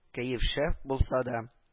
Кәеф шәп булса да